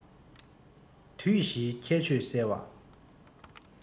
དུས བཞིའི ཁྱད ཆོས གསལ བ